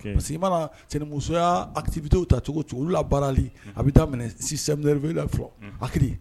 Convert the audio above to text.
Parcesi mana cɛnmusoya atibite ta cogo cogo la baarali a bɛ taa minɛ si sɛrielela haki